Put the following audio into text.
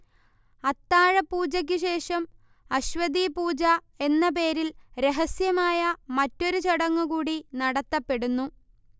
അത്താഴപൂജക്ക് ശേഷം അശ്വതീപൂജ എന്ന പേരിൽ രഹസ്യമായ മറ്റൊരു ചടങ്ങൂകൂടി നടത്തപ്പെടുന്നു